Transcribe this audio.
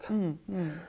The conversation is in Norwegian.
ja ja.